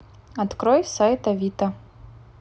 открой сайт авито